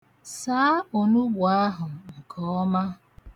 Saa onugbu ahụ nke ọma.